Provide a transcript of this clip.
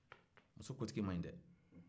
muso kotigi ma ɲi dɛ